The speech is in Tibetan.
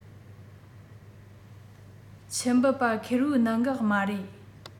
ཆུ འབུད པ ཁེར བོའི གནད འགག མ རེད